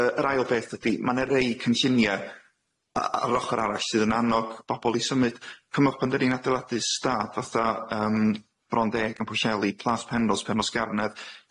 Yy yr ail beth ydi ma' ne' rei cynllunie a- ar yr ochor arall sydd yn annog bobol i symud cymwch pan dyn ni'n adeiladu staff fatha yym Brondeg yn Pwysielli, Plas Penrols, Penos Garnedd,